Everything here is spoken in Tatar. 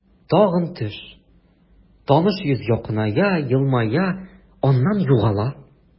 Тагын төш, таныш йөз якыная, елмая, аннан югала.